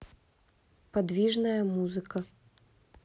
подвижная музыка